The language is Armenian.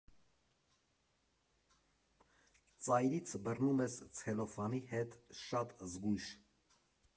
Ծայրից բռնում ես ցելոֆանի հետ, շատ զգույշ։